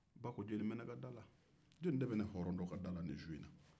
ba ko jɔnni bɛ ne ka da la jɔnni de bɛ ne hɔrɔntɔ ka da bi su in na